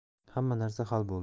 hamma narsa hal bo'ldi